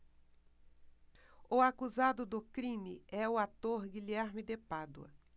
o acusado do crime é o ator guilherme de pádua